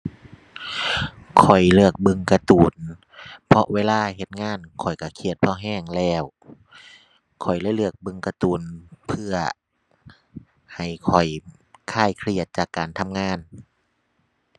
ข้อยเลือกเบิ่งการ์ตูน เพราะเวลาเฮ็ดงานข้อยก็เครียดพอก็แล้ว ข้อยเลยเลือกเบิ่งการ์ตูนเพื่อให้ข้อยคลายเครียดจากการทำงาน